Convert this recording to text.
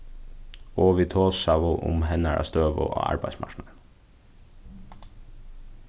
og vit tosaðu um hennara støðu á arbeiðsmarknaðinum